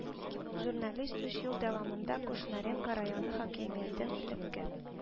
Журналист өч ел дәвамында Кушнаренко районы хакимиятенең элекке